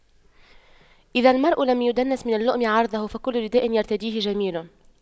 إذا المرء لم يدنس من اللؤم عرضه فكل رداء يرتديه جميل